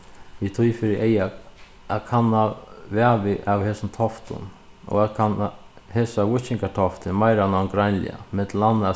við tí fyri eyga at kanna vavið av hesum toftum og at hesar víkingatoftir meira greiniliga millum annað at